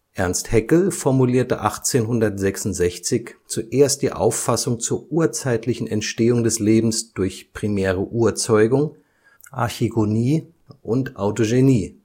Ernst Haeckel formulierte 1866 zuerst die Auffassung zur urzeitlichen Entstehung des Lebens durch primäre Urzeugung, Archigonie oder Autogenie